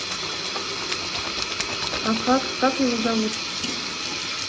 а как как его зовут